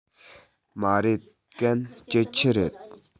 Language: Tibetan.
མ རེད གན སྐྱིད ཆུ རེད